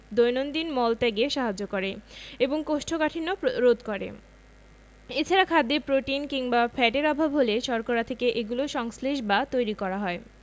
দৈনন্দিন মল ত্যাগে সাহায্য করে এবং কোষ্ঠকাঠিন্য রোধ করে এছাড়া খাদ্যে প্রোটিন কিংবা ফ্যাটের অভাব হলে শর্করা থেকে এগুলো সংশ্লেষ বা তৈরী করা হয়